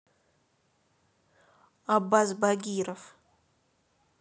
аббас багиров